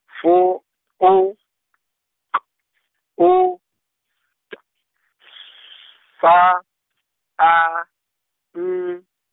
F O K O T S A N.